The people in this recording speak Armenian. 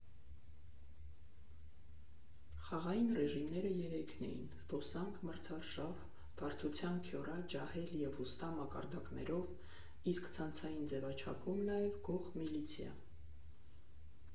Խաղային ռեժիմները երեքն էին՝ «զբոսանք», «մրցարշավ» (բարդության «քյորա», «ջահել» և «ուստա» մակարդակներով), իսկ ցանցային ձևաչափում նաև՝ «գող֊միլիցիա»։